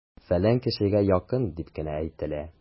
"фәлән кешегә якын" дип кенә әйтелә!